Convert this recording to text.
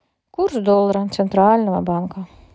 курс доллара центрального банка